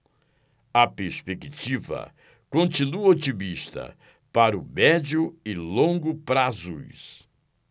a perspectiva continua otimista para o médio e longo prazos